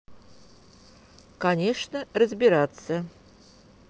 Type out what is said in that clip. конечно разбираться